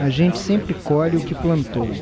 a gente sempre colhe o que plantou